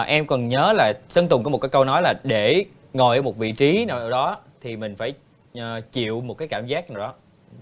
em còn nhớ là sơn tùng có một cái câu nói là để ngồi ở một vị trí nào đó thì mình phải chịu một cái cảm giác nào đó